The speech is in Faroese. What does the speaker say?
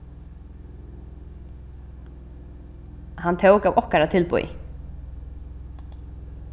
hann tók av okkara tilboði